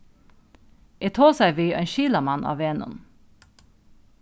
eg tosaði við ein skilamann á vegnum